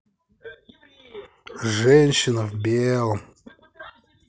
женщина в белом